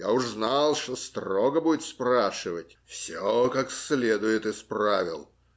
Я уж знал, что строго будет спрашивать; все как следует исправил.